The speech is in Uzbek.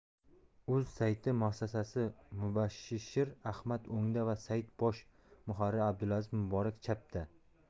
uz sayti muassisi mubashshir ahmad o'ngda va sayt bosh muharriri abdulaziz muborak chapda